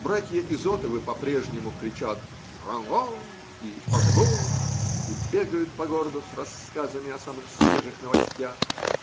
братья Изотовы по-прежнему кричат "гранрон" и "оребур" и бегают по городу с рассказами о самых свежих новостях